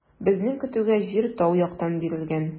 Безнең көтүгә җир тау яктан бирелгән.